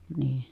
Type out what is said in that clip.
niin